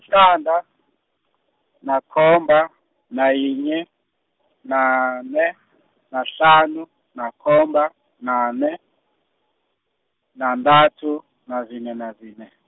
yiqanda, nakhomba, nayinye, nane , nahlanu, nakhomba, nane, nantathu, nazine, nazine.